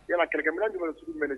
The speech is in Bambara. Yala kɛlɛminɛ ɲuman s minɛ